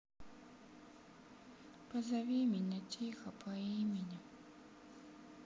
позови меня тихо по имени